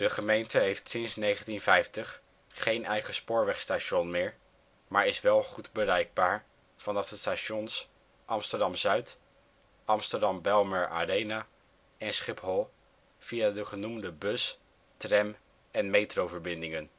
gemeente heeft sinds 1950 geen eigen spoorwegstation meer, maar is wel goed bereikbaar vanaf de stations Amsterdam Zuid, Amsterdam Bijlmer ArenA en Schiphol via de genoemde bus -, tram - en metroverbindingen